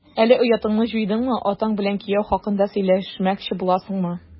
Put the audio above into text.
Әллә оятыңны җуйдыңмы, атаң белән кияү хакында сөйләшмәкче буласыңмы? ..